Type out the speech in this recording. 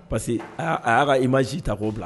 Parce que a y'a ka i ma ji ta k' bila